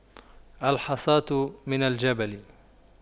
الحصاة من الجبل